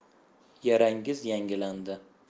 yarangiz yangilandi